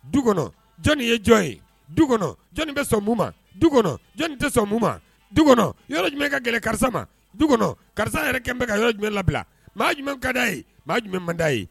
Du kɔnɔ jɔnni ye jɔn ye, du kɔnɔ jɔnni bɛ sɔn mun ma, du kɔnɔ jɔnni tɛ sɔn mun ma, du kɔnɔ yɔrɔ jumɛn ka gɛlɛn karisa ma, du kɔnɔ karisa yɛrɛ kɛlen bɛ ka yɔrɔ jumɛn labila? Maa jumɛn ka d'a ye, maa jumɛn man d'a ye?